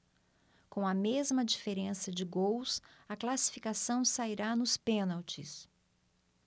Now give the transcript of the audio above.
com a mesma diferença de gols a classificação sairá nos pênaltis